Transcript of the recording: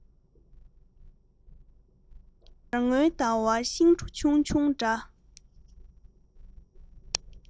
ཡར ངོའི ཟླ བ ཤིང གྲུ ཆུང ཆུང འདྲ